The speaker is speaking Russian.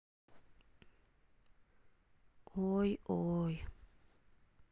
ой ой